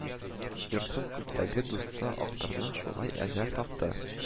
Йортның күптәнге дусты Актырнак шулай әҗәл тапты